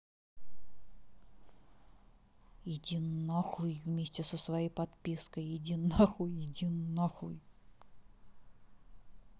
иди нахуй вместе со своей подпиской иди нахуй иди нахуй